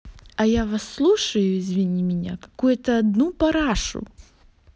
а я вас слушаю извини меня какую то одну парашу